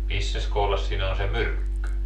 missäs kohdassa siinä on se myrkky